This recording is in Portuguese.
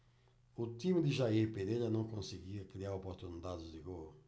o time de jair pereira não conseguia criar oportunidades de gol